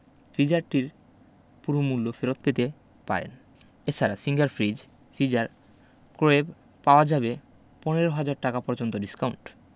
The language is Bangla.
ফ্রিজারটির পুরো মূল্য ফেরত পেতে পারেন এ ছাড়া সিঙ্গার ফ্রিজ ফ্রিজার ক্রয়ে পাওয়া যাবে ১৫০০০ টাকা পর্যন্ত ডিসকাউন্ট